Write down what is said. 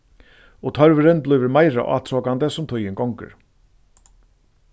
og tørvurin blívur meira átrokandi sum tíðin gongur